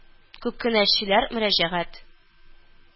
Күп кенә эшчеләр мөрәҗәгать